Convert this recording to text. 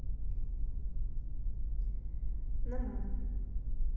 намана